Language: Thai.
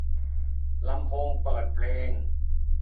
ลำโพงเปิดเพลง